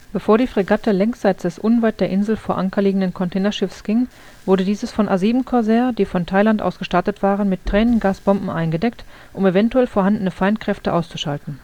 Bevor die Fregatte längsseits des unweit der Insel vor Anker liegenden Containerschiffs ging, wurde dieses von A-7 Corsair, die von Thailand aus gestartet waren, mit Tränengasbomben eingedeckt, um eventuell vorhandene Feindkräfte auszuschalten